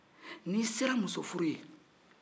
ni sera muso furu ye